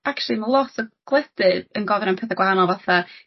actually ma' lot o gwledydd yn gofyn am petha gwahanol fatha